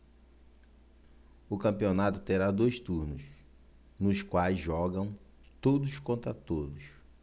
o campeonato terá dois turnos nos quais jogam todos contra todos